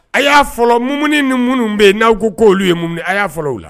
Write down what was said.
A y'a fɔumuni ni minnu bɛ yen n'aw ko k'olu ye a y'a fɔ la